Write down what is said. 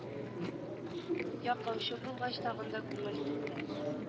Яклаучы булгач тагын да күңел тулды